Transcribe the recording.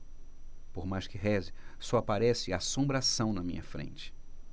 por mais que reze só aparece assombração na minha frente